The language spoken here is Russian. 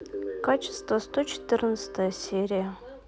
кадетство сто четырнадцатая серия